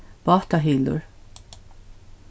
bátahylur